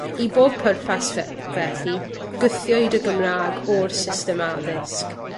I bob pwrpas fe- w- felly gwthiwyd y Gymra'g o'r system addysg.